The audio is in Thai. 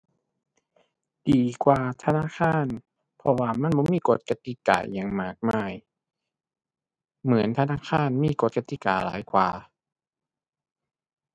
ดีกว่าธนาคาร เพราะว่ามันบ่มีกฎกติกาอิหยังมากมาย เหมือนธนาคารมีกฎกติกาหลายกว่า